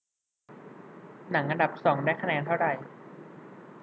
หนังอันดับสองได้คะแนนเท่าไหร่